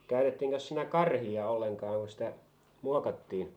käytettiinkös siinä karhia ollenkaan kun sitä muokattiin